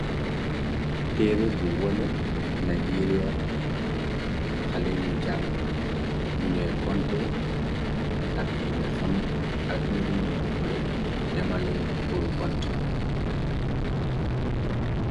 teere bu wone najeria xale yuy jàng ñuñoy konte ak ñuñu xam adduna bi rnu koy demale pur kont